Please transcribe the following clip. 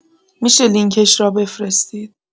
می‌شه لینکش را بفرستید